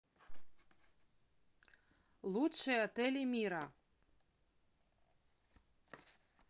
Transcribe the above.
лучшие отели мира